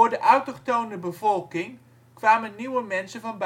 de autochtone bevolking kwamen nieuwe mensen van